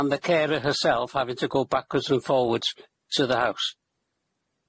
and the carer herself having to go backwards and forwards to the house.